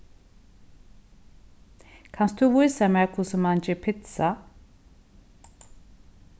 kanst tú vísa mær hvussu mann ger pitsa